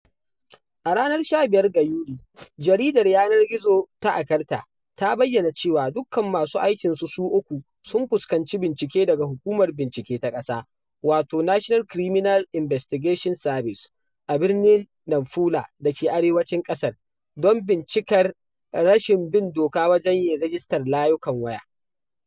A ranar 15 ga Yuli, jaridar yanar gizo ta A Carta ta bayyana cewa dukkan masu aikin su uku sun fuskanci bincike daga Hukumar Bincike ta Ƙasa, wato National Criminal Investigation Service, a birnin Nampula dake arewacin ƙasar, don bincikar rashin bin doka wajen yin rajistar layukan waya .